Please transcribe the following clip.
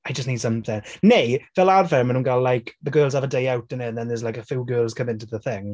I just need something. Neu, fel arfer ma' nhw'n gael like, girls have a day out innit? And then there's like a few girls come into the thing.